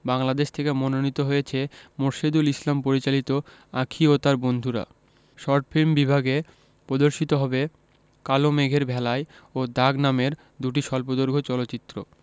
বাংলাদেশ থেকে মনোনীত হয়েছে মোরশেদুল ইসলাম পরিচালিত আঁখি ও তার বন্ধুরা শর্ট ফিল্ম বিভাগে প্রদর্শিত হবে কালো মেঘের ভেলায় ও দাগ নামের দুটি স্বল্পদৈর্ঘ চলচ্চিত্র